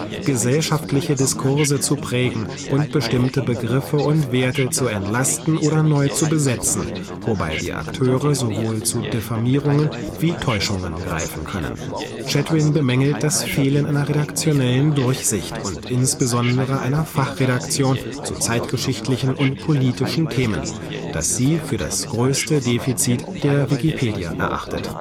gesellschaftliche Diskurse zu prägen und bestimmte Begriffe und Werte zu entlasten oder neu zu besetzen, wobei die Akteure sowohl zu Diffamierungen wie Täuschungen greifen können. Chatwin bemängelt „ das Fehlen einer redaktionellen Durchsicht und insbesondere einer Fachredaktion zu zeitgeschichtlichen und politischen Themen “, das sie für „ das größte Defizit der Wikipedia “erachtet